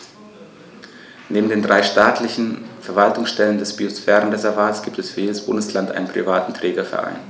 Neben den drei staatlichen Verwaltungsstellen des Biosphärenreservates gibt es für jedes Bundesland einen privaten Trägerverein.